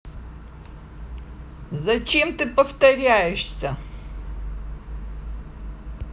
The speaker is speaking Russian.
зачем ты повторяешься